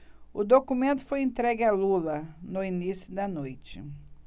o documento foi entregue a lula no início da noite